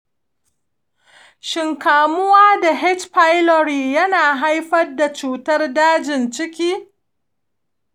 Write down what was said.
shin kamuwa da h. pylori yana haifar da cutar dajin ciki?